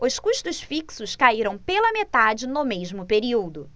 os custos fixos caíram pela metade no mesmo período